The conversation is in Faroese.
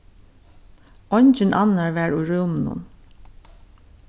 eingin annar var í rúminum